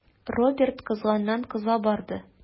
Роберт кызганнан-кыза барды.